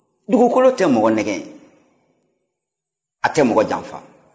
dugukolo tɛ mɔgɔ nɛgɛn a tɛ mɔgɔ janfa